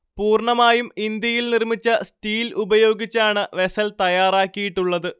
പൂർണ്ണമായും ഇന്ത്യയിൽ നിർമ്മിച്ച സ്റ്റീൽ ഉപയോഗിച്ചാണ് വെസൽ തയ്യാറാക്കിയിട്ടുള്ളത്